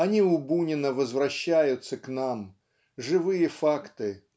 они у Бунина возвращаются к нам живые факты